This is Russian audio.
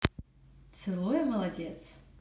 целуя молодец